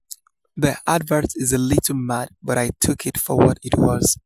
The advert is a little mad but I took it for what it was.